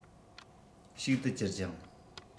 ཞིག ཏུ གྱུར ཅིང